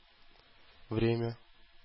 Время